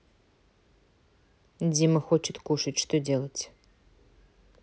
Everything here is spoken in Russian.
дима хочет кушать что делать